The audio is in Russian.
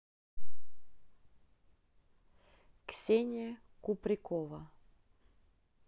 ксения куприкова